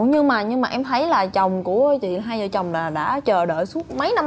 ủa nhưng mà nhưng mà em thấy là chồng của chị hai vợ chồng là đã chờ đợi suốt mấy năm